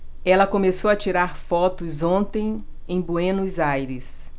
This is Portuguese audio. ela começou a tirar fotos ontem em buenos aires